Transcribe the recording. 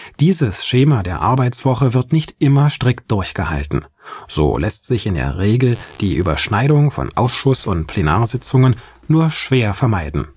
Dieses Schema der Arbeitswoche wird nicht immer strikt durchgehalten. So lässt sich in der Realität die Überschneidung von Ausschuss - und Plenumssitzungen nur schwer vermeiden